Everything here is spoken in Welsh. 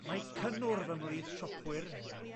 Mae cynnwrf ymhlith siopwyr